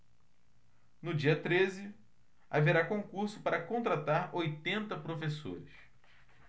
no dia treze haverá concurso para contratar oitenta professores